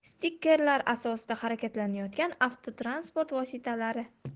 stikerlar asosida harakatlanayotgan avtotransport vositalari